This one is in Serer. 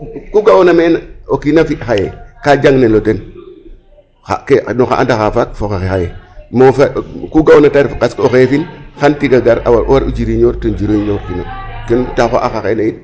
Ku ga'oona meen o kiin a fi' xaye ka jangnel o ten a ɗoxa xan a faax fo xane xaye moofa ku ga'oona ta ref qas ke o xefin xan tig a gar o war'u jiriñoorin to jiriñoorkino ten taxu xa ax axene tamit.